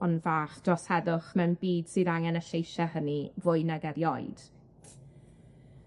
ond fach dros heddwch mewn byd sydd angen y lleisie hynny fwy nag erioed.